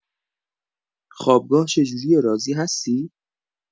خوابگاه چجوریه راضی هستی؟